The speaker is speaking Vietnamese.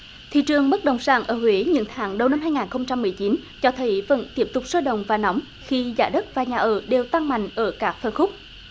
thị trường bất động sản ở huế những tháng đầu năm hai ngàn không trăm mười chín cho thấy vẫn tiếp tục sôi động và nóng khi giá đất và nhà ở đều tăng mạnh ở các phân khúc